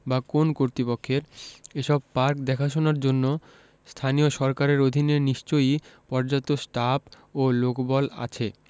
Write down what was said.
বা কোন্ কর্তৃপক্ষের এসব পার্ক দেখাশোনার জন্য স্থানীয় সরকারের অধীনে নিশ্চয়ই পর্যাপ্ত স্টাফ ও লোকবল আছে